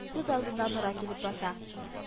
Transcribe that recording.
Күз алдында нора килеп баса